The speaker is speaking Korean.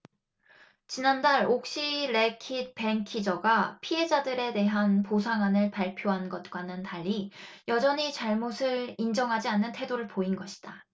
지난달 옥시레킷벤키저가 피해자들에 대한 보상안을 발표한 것과는 달리 여전히 잘못을 인정하지 않는 태도를 보인 것이다